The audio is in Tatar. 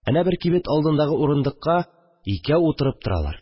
Әнә бер кибет алдындагы урындыкка икәү утырып торалар